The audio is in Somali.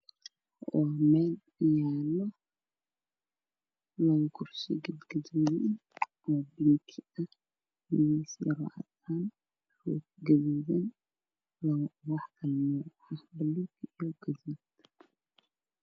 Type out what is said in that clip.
Waa meel uyaalo lan kursi gadguduudan iyo binki ah oo miis yar oo cadaan oo gaduuda wax kala mayalaan